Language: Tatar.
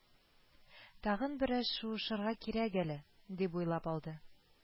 «тагын бераз шуышырга кирәк әле», – дип уйлап алды